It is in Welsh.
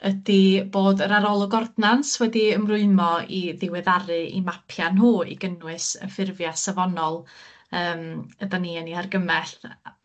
ydi bod yr arolwg ordnans wedi ymrwymo i diweddaru 'i mapia' nhw i gynnwys y ffurfia' safonol yym ydan ni yn 'u hargymell yy